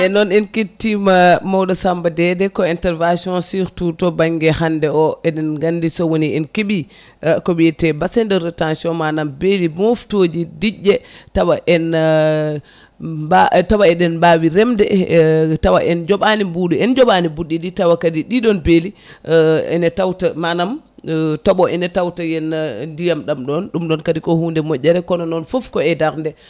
nden noon en kettima mawɗo Samaba Dédé ko intervention surtout to banggue hande o eɗen gandi so woni en keeɓi ko wiite bassin de rétention manam beele moftoji diƴƴe tawa en tawa eɗen mbawi remde e taw en jooɓani ɓuuɗu en jooɓani ɓuuɗ ɗiɗi tawa kadi ɗi ɗon beeli ene tawta manam tooɓo ene tawta henna ndiyam ɗam ɗon ɗum ɗon kadi ko hunde moƴƴere kono noon foof ko e darde